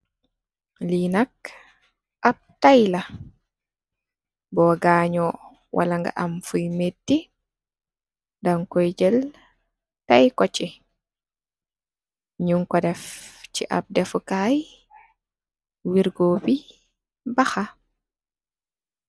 Lii nak ab tay la, boo gaaño dañg kooy jël tay ko si. Ñung ko def si ab defu kaay, wergoo bi, baxa.